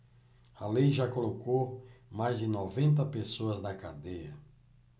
a lei já colocou mais de noventa pessoas na cadeia